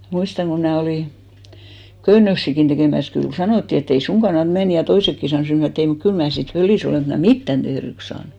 muistan kun minä olin köynnöksiäkin tekemässä kyllä sanottiin että' ei sinun kannata mennä toisetkin sanoi mutta minä ajattelin että ei mutta kyllä minä sitten fölissä olen vaikka en minä mitään tehdyksi saanut